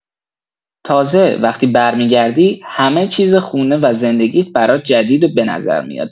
تازه، وقتی برمی‌گردی، همه چیز خونه و زندگیت برات جدید به نظر میاد.